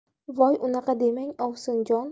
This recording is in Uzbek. voy unaqa demang ovsinjon